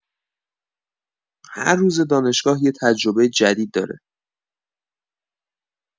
هر روز دانشگاه یه تجربه جدید داره